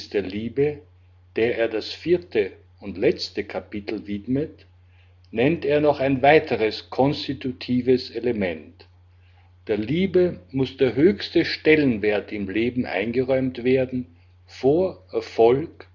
der Liebe, der er das 4. und letzte Kapitel widmet, nennt Fromm noch ein weiteres konstitutives Element: Der Liebe muss der höchste Stellenwert im Leben eingeräumt werden, vor Erfolg